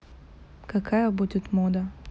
какая будет мода